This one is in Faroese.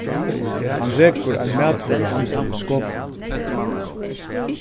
hann rekur ein matvøruhandil í skopun